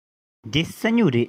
འདི ས སྨྱུག རེད